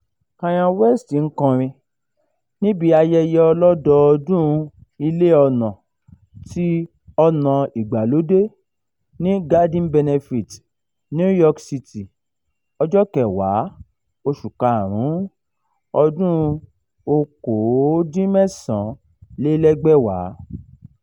Kanye West ń kọrin níbi ayẹyẹ ọlọ́dọọdún Ilé-ọnà ti Ọnà Ìgbàlódé ní Garden benefit, New York City, ọjọ́ 10, oṣù karùn-ún, 2011.